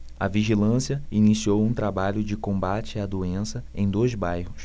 a vigilância iniciou um trabalho de combate à doença em dois bairros